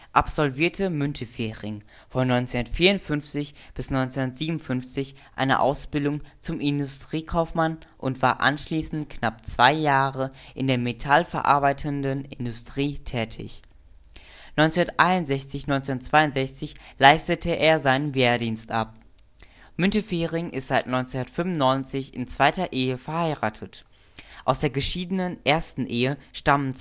absolvierte Müntefering von 1954 bis 1957 eine Ausbildung zum Industriekaufmann und war anschließend knapp zwei Jahre in der metallverarbeitenden Industrie tätig. 1961 / 1962 leistete er seinen Wehrdienst ab. Müntefering ist seit 1995 in zweiter Ehe verheiratet. Aus der geschiedenen ersten Ehe stammen